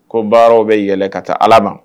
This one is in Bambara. Ko baaraw bɛ yɛlɛ ka taa ala ma